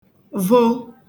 vo